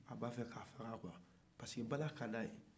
a b'a fɛ ka faga quoi parce que bala ka d'a ye